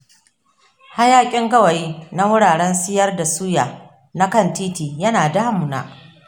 hayaƙin gawayi na wuraren siyar da suya na kan titi yana damuna.